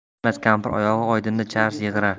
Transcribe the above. tinmas kampir oyog'i oydinda chars yigirar